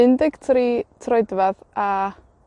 Un deg tri troedfadd, a